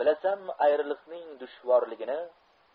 bilasanmi ayriliqning dushvorligini